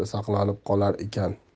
asr saqlanib qolar ekan